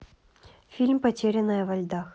фильм потерянные во льдах